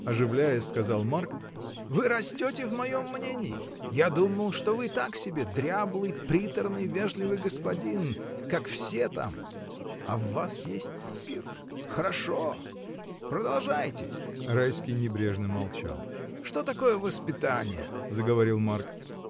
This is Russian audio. — оживляясь, сказал Марк, — вы растете в моем мнении: я думал, что вы так себе, дряблый, приторный, вежливый господин, как все там. А в вас есть спирт. хорошо! продолжайте! Райский небрежно молчал. — Что такое воспитание? — заговорил Марк.